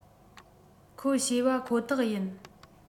ཁོ ཤེས པ ཁོ ཐག ཡིན